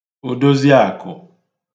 òdoziakụ̀